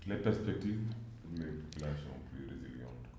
les perspectives ou les relations plus résiliantes